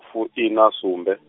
fuiṋasumbe .